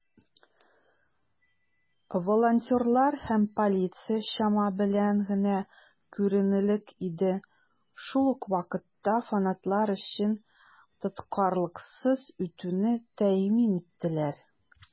Волонтерлар һәм полиция чама белән генә күренерлек иде, шул ук вакытта фанатлар өчен тоткарлыксыз үтүне тәэмин иттеләр.